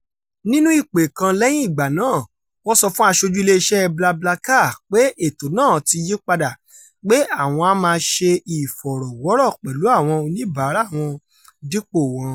Nínú ìpè kan lẹ́yìn ìgbà náà, wọ́n sọ fún aṣojú iléeṣẹ́ BlaBlaCar pé ètò náà ti yí padà, pé àwọn á máa ṣe ìfọ̀rọ̀wọ́rọ̀ pẹ̀lú àwọn oníbàáràa wọn dípò wọn.